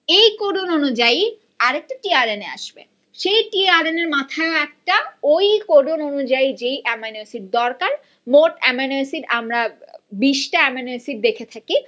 এই কোডন অনুযায়ী আরেকটা টি আর এন এ আসবে সেই টি আর এন এর মাথায় একটা ওই কোডন যেই এমাইনো এসিড দরকার মোট অ্যামাইনো এসিড আমরা বিশটা এমাইনো এসিড দেখে থাকি